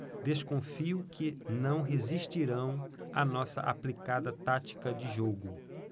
desconfio que não resistirão à nossa aplicada tática de jogo